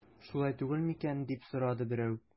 Шулай түгел микән дип сорады берәү.